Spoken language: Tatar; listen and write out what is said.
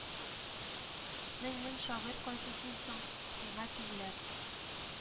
Мең-мең шагыйрь кайсысын соң сиңа тиңләп